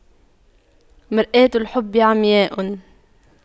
مرآة الحب عمياء